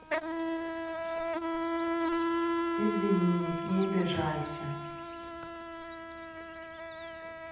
извини не обижайся